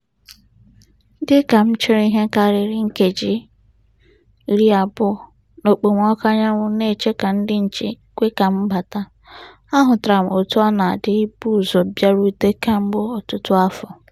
Dịka m chere ihe karịrị nkeji 20 n’okpomọkụ anyanwụ na-eche ka ndị nche kwe ka m bata, ahụtara otú ọ na-adị ibu ụzọ bịarute kemgbe ọtụtụ afọ.